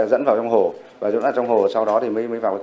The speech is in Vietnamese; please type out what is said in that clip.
dẫn vào trong hồ và dẫn vào trong hồ sau đó thì mới vào